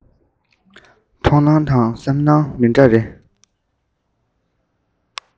མཐོང སྣང དང